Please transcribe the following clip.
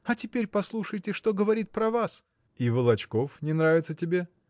А теперь послушайте, что говорит про вас. – И Волочков не нравится тебе?